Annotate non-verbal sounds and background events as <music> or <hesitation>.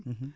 <hesitation> <hesitation>